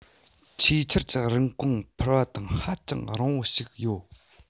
ཆེས ཆེར ཀྱི རིན གོང འཕར བ དང ཧ ཅང རིང པོ ཞིག ཡོད